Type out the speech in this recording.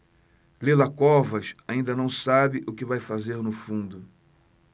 lila covas ainda não sabe o que vai fazer no fundo